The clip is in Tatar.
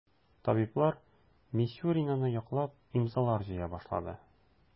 Табиблар Мисюринаны яклап имзалар җыя башлады.